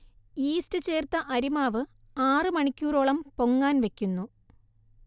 yeast ചേർത്ത അരിമാവ് ആറു മണിക്കൂറോളം പൊങ്ങാൻ വെക്കുന്നു